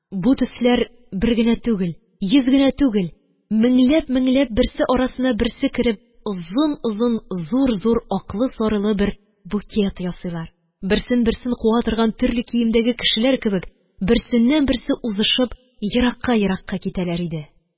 Бу төсләр бер генә түгел, йөз генә түгел, меңләп-меңләп берсе арасына берсе кереп, озын-озын, зур-зур аклы-сарылы бер букет ясыйлар, берсен берсе куа торган төрле киемдәге кешеләр кебек берсеннән берсе узышып, еракка-еракка китәләр иде.